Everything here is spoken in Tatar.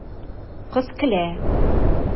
Кыз көлә.